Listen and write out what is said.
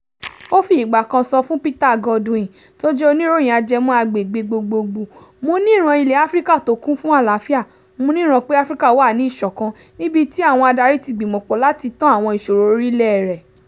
O fi ìgbà kan sọ fún Peter Godwin, tó jẹ́ oníròyìn ajẹmọ́ agbègbè gbogboogbò, “Mo níran ilẹ̀ Áfíríkà tó kún fún àlááfíà, mo níran pé Áfíríkà wà ni ìṣọ̀kan, níbì tí àwọn adarí tí gbìmọ̀ pọ̀ láti tán àwọn ìṣòro orílẹ̀ rẹ̀.